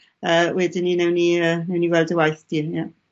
yy wedyn 'ny newn ni yy newn ni weld dy waith di yn ie.